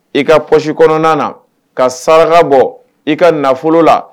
I ka pɔsi kɔnɔna na ka saraka bɔ i ka nafolo la